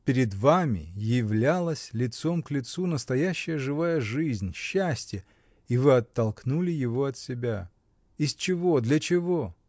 — Перед вами являлась лицом к лицу настоящая, живая жизнь, счастье — и вы оттолкнули его от себя! из чего, для чего?